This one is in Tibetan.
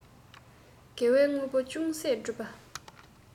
དགེ བའི དངོས པོ ཅུང ཟད སྒྲུབ པ